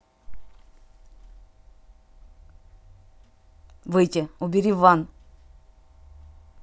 выйти убери ван